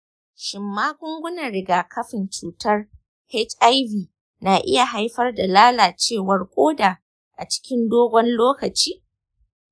shin magungunan rigakafin cutar hiv na iya haifar da lalacewar koda a cikin dogon lokaci?